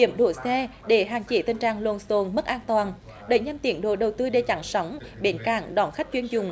điểm đỗ xe để hạn chế tình trạng lộn xộn mất an toàn đẩy nhanh tiến độ đầu tư đê chắn sóng bến cảng đón khách chuyên dùng